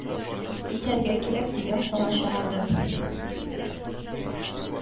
Итәргә кирәк, дигән карар чыгарды